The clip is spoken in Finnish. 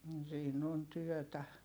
mm siinä on työtä